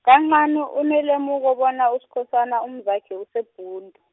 kancani unelemuko bona Uskhosana umzakhe useBhundu.